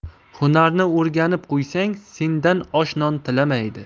hunarni o'rganib qo'ysang sendan osh non tilamaydi